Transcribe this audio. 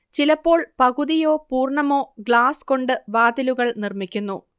ചിലപ്പോൾ പകുതിയോ പൂർണ്ണമോ ഗ്ലാസ് കൊണ്ട് വാതിലുകൾ നിർമ്മിക്കുന്നു